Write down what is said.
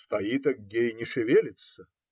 Стоит Аггей, не шевелится.